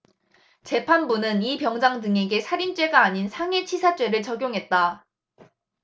재판부는 이 병장 등에게 살인죄가 아닌 상해치사죄를 적용했다